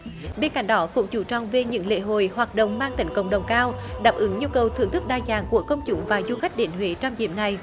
bên cạnh đó cũng chú trọng về những lễ hội hoạt động mang tính cộng đồng cao đáp ứng nhu cầu thưởng thức đa dạng của công chúng và du khách đến huế trong dịp này